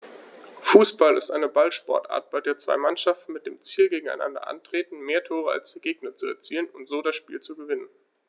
Fußball ist eine Ballsportart, bei der zwei Mannschaften mit dem Ziel gegeneinander antreten, mehr Tore als der Gegner zu erzielen und so das Spiel zu gewinnen.